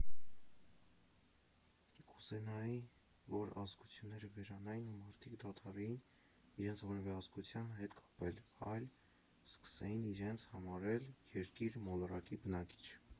Կուզենայի, որ ազգությունները վերանային ու մարդիկ դադարեին իրենց որևէ ազգության հետ կապել, այլ սկսեին իրենց համարել երկիր մոլորակի բնակիչ։